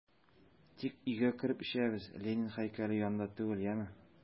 Тик өйгә кереп эчәбез, Ленин һәйкәле янында түгел, яме!